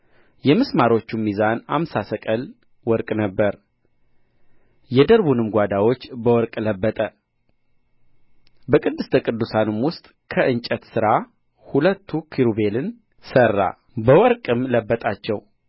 የምስማሮቹም ሚዛን አምሳ ሰቅል ወርቅ ነበረ የደርቡንም ጓዳዎች በወርቅ ለበጠ በቅድስተ ቅዱሳንም ውስጥ ከእንጨት ሥራ ሁለቱ ኪሩቤልን ሠራ በወርቅም ለበጣቸው